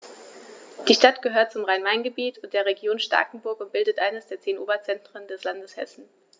Die Stadt gehört zum Rhein-Main-Gebiet und der Region Starkenburg und bildet eines der zehn Oberzentren des Landes Hessen.